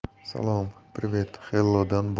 salom privet hello dan